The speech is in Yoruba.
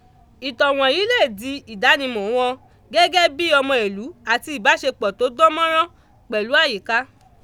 Ìtàn wọ̀nyí lè di ìdánimọ̀ọ wọn gẹ́gẹ́ bí ọmọ ìlú àti ìbáṣepọ̀ t'ó dán mánrán pẹ̀lú àyíká.